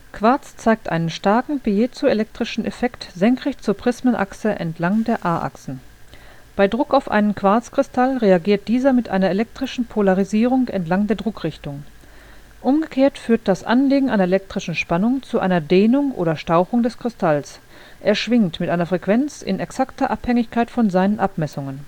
Quarz zeigt einen starken piezoelektrischen Effekt senkrecht zur Prismenachse entlang der a-Achsen. Bei Druck auf einen Quarzkristall reagiert dieser mit einer elektrischen Polarisierung entlang der Druckrichtung. Umgekehrt führt das Anlegen einer elektrischen Spannung zu einer Dehnung oder Stauchung des Kristalls, er „ schwingt “mit einer Frequenz in exakter Abhängigkeit von seinen Abmessungen